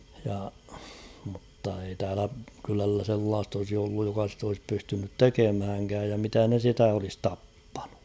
ja mutta ei täällä kylällä sellaista olisi ollut joka sitä olisi pystynyt tekemäänkään ja mitä ne sitä olisi tappanut